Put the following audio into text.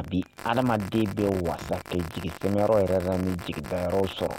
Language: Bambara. A bi aladen bɛ waa jigi fɛnyɔrɔ yɛrɛ la ni jigidayɔrɔ sɔrɔ